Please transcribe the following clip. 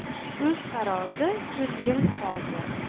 ko'z tarozi ko'ngil qozi